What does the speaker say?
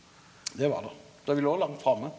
det var der, der er me òg langt framme.